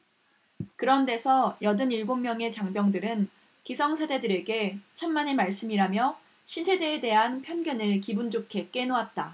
그런 데서 여든 일곱 명의 장병들은 기성세대들에게 천만의 말씀이라며 신세대에 대한 편견을 기분좋게 깨놓았다